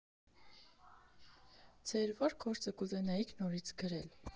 Ձեր ո՞ր գործը կուզենայիք նորից գրել։